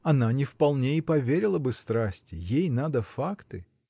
Она не вполне и поверила бы страсти: ей надо факты.